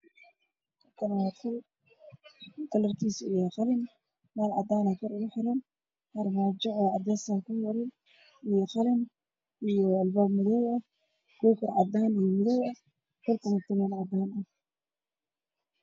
Wajiko waxaa ka ifaayo leer waxay leedahay qaanado qaybta kushiinka waana qaxoo jaalo ah